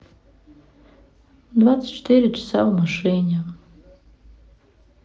двадцать четыре часа в машине